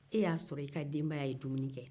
e ye a sɔrɔ e ka denbaya ye dumuni kɛ